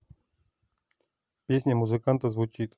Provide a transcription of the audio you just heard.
песня музыка звучит